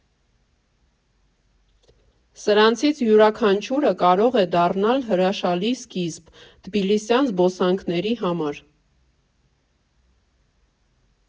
Սրանցից յուրաքանչյուրը կարող է դառնալ հրաշալի սկիզբ՝ թբիլիսյան զբոսանքների համար։